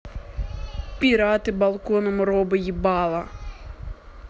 пираты балконом роба ебала